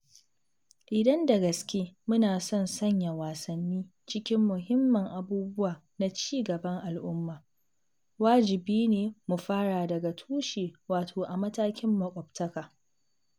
Idan da gaske muna son sanya wasanni cikin muhimman abubuwa na cigaban al’umma, wajibi ne mu fara daga tushe, wato a matakin makwabta ka.